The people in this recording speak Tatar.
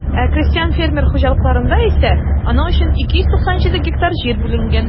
Ә крестьян-фермер хуҗалыкларында исә аның өчен 297 гектар җир бүленгән.